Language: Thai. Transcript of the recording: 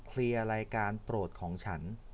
เคลียร์รายการสินค้าโปรดของฉัน